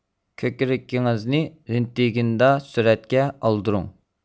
كۆكرىكىڭىزنى رېنتىگېندا سۈرەتكە ئالدۇرۇڭ